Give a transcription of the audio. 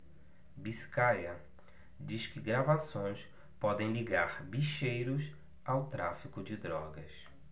biscaia diz que gravações podem ligar bicheiros ao tráfico de drogas